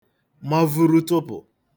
mavuru tụpụ̀